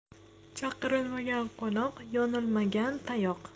chaqirilmagan qo'noq yo'nilmagan tayoq